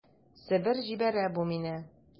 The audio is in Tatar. Себер җибәрә бу мине...